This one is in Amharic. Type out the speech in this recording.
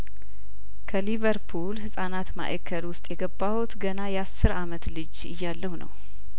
ከሊቨርፑል ህጻናት ማእከል ውስጥ የገባሁት ገና የአስር አመት ልጅ እያለሁ ነው